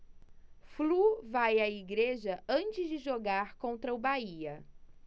flu vai à igreja antes de jogar contra o bahia